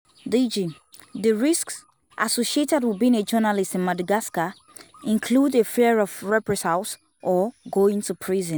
DG: The risks associated with being a journalist in Madagascar include a fear of reprisals or going to prison.